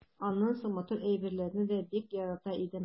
Аннан соң матур әйберләрне дә бик ярата идем.